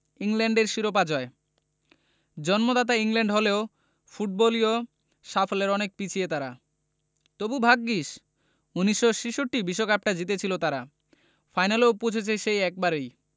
ইংল্যান্ডের শিরোপা জয় জন্মদাতা ইংল্যান্ড হলেও ফুটবলীয় সাফল্যে অনেক পিছিয়ে তারা তবু ভাগ্যিস ১৯৬৬ বিশ্বকাপটা জিতেছিল তারা ফাইনালেও পৌঁছেছে সেই একবারই